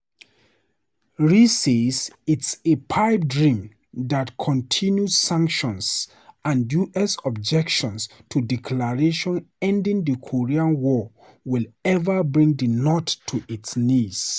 Ri says it's a "pipe dream" that continued sanctions and U.S. objection to a declaration ending the Korean War will ever bring the North to its knees.